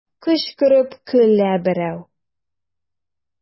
Кычкырып көлә берәү.